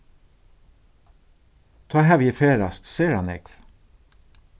tá havi eg ferðast sera nógv